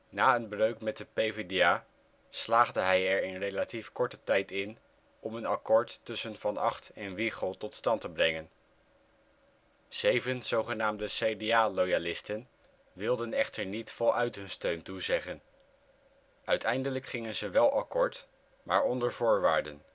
Na een breuk met de PvdA slaagde hij er in relatief korte tijd in om een akkoord tussen van Agt en Wiegel tot stand te brengen. Zeven zogenaamde CDA -' loyalisten ' wilden echter niet voluit hun steun toezeggen. Uiteindelijk gingen ze wel akkoord, maar onder voorwaarden